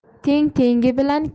teng tengi bilan